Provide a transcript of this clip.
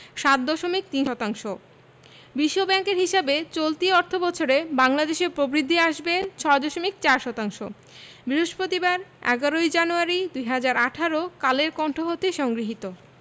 ৭.৩ শতাংশ বিশ্বব্যাংকের হিসাবে চলতি অর্থবছরে বাংলাদেশের প্রবৃদ্ধি আসবে ৬.৪ শতাংশ বৃহস্পতিবার ১১ জানুয়ারি ২০১৮ কালের কন্ঠ হতে সংগৃহীত